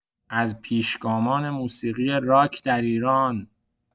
از پیشگامان موسیقی راک در ایران